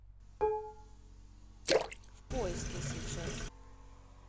в поиске сейчас